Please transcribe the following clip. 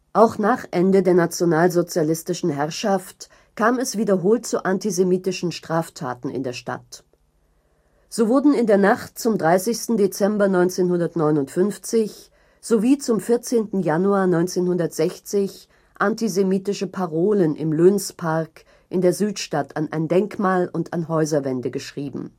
Auch nach Ende der nationalsozialistischen Herrschaft kam es wiederholt zu antisemitischen Straftaten in der Stadt. So wurden in der Nacht zum 30. Dezember 1959 sowie zum 14. Januar 1960 antisemitische Parolen im Löns-Park in der Südstadt an ein Denkmal und an Häuserwände geschrieben